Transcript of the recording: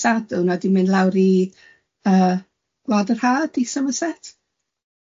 Sadwn a di mynd lawr i yy Gwlad yr Haf di Somerset?